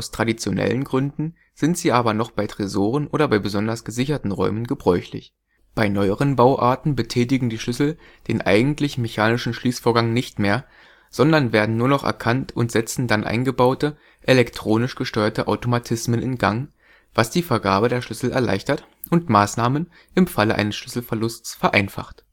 traditionellen Gründen sind sie aber noch bei Tresoren oder bei besonders gesicherten Räumen gebräuchlich. Bei neueren Bauarten betätigen die Schlüssel den eigentlich mechanischen Schließvorgang nicht mehr, sondern werden nur noch erkannt und setzen dann eingebaute, elektronisch gesteuerte Automatismen in Gang, was die Vergabe der Schlüssel erleichtert und Maßnahmen im Falle eines Schlüsselverlusts vereinfacht